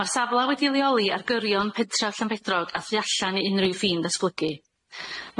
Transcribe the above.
Ma'r safle wedi'i leoli ar gyrion petra Llanbedrog a thu allan i unrhyw ffin ddatblygu.